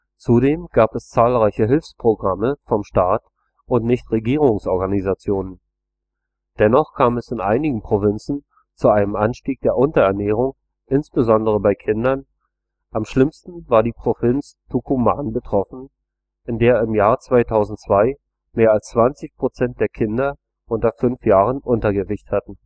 Zudem gibt es zahlreiche Hilfsprogramme vom Staat und Nichtregierungsorganisationen. Dennoch kam es in einigen Provinzen zu einem Anstieg der Unterernährung insbesondere bei Kindern, am schlimmsten war die Provinz Tucumán betroffen, in der im Jahr 2002 mehr als 20 % der Kinder unter fünf Jahren Untergewicht hatten